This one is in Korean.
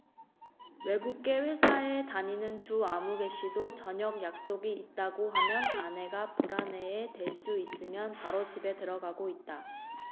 외국계 회사에 다니는 주아무개씨도 저녁 약속이 있다고 하면 아내가 불안해해 될 수 있으면 바로 집에 들어가고 있다